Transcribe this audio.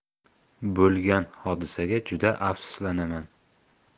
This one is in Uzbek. bo'lgan hodisaga juda afsuslanaman